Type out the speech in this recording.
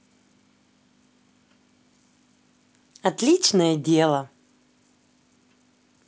отличное дело